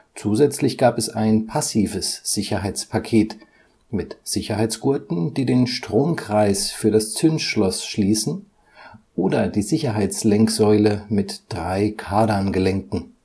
Zusätzlich gab es ein passives Sicherheitspaket mit Sicherheitsgurten, die den Stromkreis für das Zündschloss schließen, oder die Sicherheitslenksäule mit drei Kardangelenken